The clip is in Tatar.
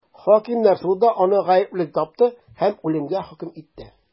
Хакимнәр суды да аны гаепле дип тапты һәм үлемгә хөкем итте.